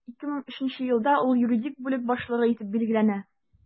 2003 елда ул юридик бүлек башлыгы итеп билгеләнә.